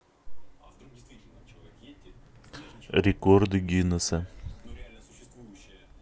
рекорды гиннеса